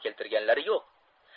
hayollariga ham keltirganlari yo'q